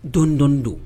Dɔndɔn don